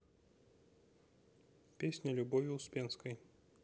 песня любови успенской